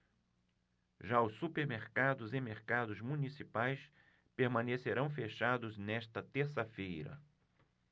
já os supermercados e mercados municipais permanecerão fechados nesta terça-feira